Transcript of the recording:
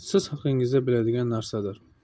siz haqingizda biladigan narsadir